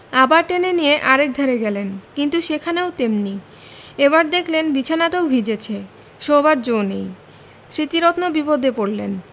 আবার টেনে নিয়ে আর একধারে গেলেন কিন্তু সেখানেও তেমনি এবার দেখলেন বিছানাটাও ভিজেছে শোবার জো নেই স্মৃতিরত্ন বিপদে পড়লেন